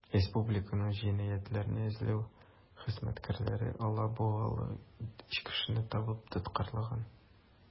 Республиканың җинаятьләрне эзләү хезмәткәрләре алабугалы 3 кешене табып тоткарлаган.